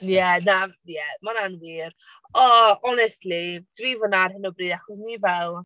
Ie, na. Ie ma' hwnna'n wir. O, honestly, dwi fel yna ar hyn o bryd. Achos ni fel...